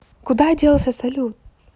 куда делся салют